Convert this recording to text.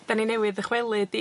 'Dan ni'n newydd dychwelyd i...